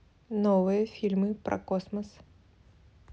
новые фильмы про космос